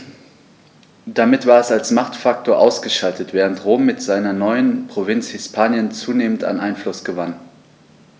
Damit war es als Machtfaktor ausgeschaltet, während Rom mit seiner neuen Provinz Hispanien zunehmend an Einfluss gewann.